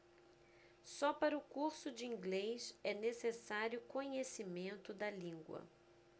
só para o curso de inglês é necessário conhecimento da língua